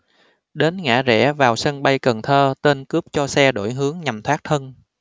đến ngã rẽ vào sân bay cần thơ tên cướp cho xe đổi hướng nhằm thoát thân